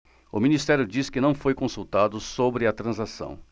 o ministério diz que não foi consultado sobre a transação